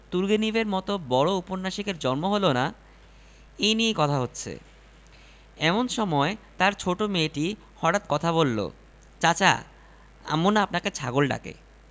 তিনি এক বাসায় বেড়াতে গিয়েছেন দেখলেন তিন বছর বয়েসী একটি ছেলে পটিতে বসে বাথরুম সারছে ছেলেটি তাকে দেখে লজ্জা পেয়েছে ভেবে তিনি বললেন বাহ খুব সুন্দর পটি তো তোমার ভারী সুন্দর